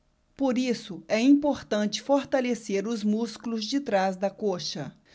por isso é importante fortalecer os músculos de trás da coxa